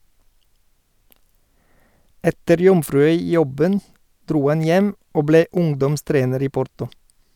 Etter Jomfruøy-jobben dro han hjem og ble ungdomstrener i Porto.